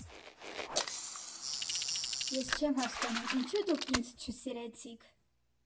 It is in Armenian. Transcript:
«Ես չեմ հասկանում՝ ինչո՞ւ դուք ինձ չսիրեցիք»։